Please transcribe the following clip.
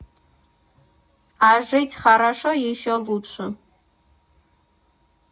Ա ժիծ խառաշո յեշո լուչշե։